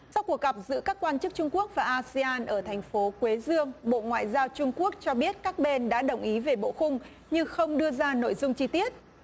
sau cuộc gặp giữa các quan chức trung quốc và a xi an ở thành phố quế dương bộ ngoại giao trung quốc cho biết các bên đã đồng ý về bộ khung nhưng không đưa ra nội dung chi tiết